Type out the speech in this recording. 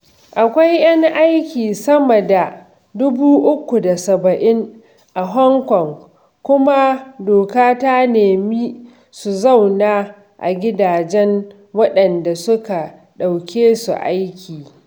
Akwai 'yan aiki sama da 370,000 a Hong Kong kuma doka ta nemi su zauna a gidajen waɗanda suka ɗauke su aiki.